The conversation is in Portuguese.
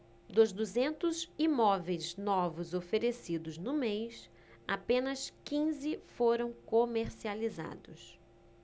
dos duzentos imóveis novos oferecidos no mês apenas quinze foram comercializados